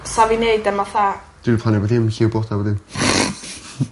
...sa fi'n neud e matha.... Dwi 'di plannu bo' dim lliw bloda po' dim.